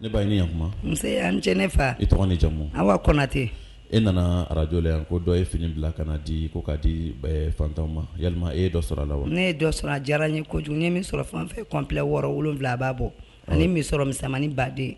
Ne ba i ni ɲɔɔn kuma n see ani ce ne fa e tɔgɔ n'i jamu Awa Kɔnate e nanaa Radio la yan ko dɔ ye fini bila ka na dii ko k'a dii bɛɛ fantanw ma yalima e ye dɔ sɔrɔ a la wa ne ye dɔ sɔrɔ a diyara n ye kojugu n ye min sɔrɔ fɛnfɛn ye complet 6 - 7 ye a b'a bɔ ani misɔrɔ misɛnmanin baaden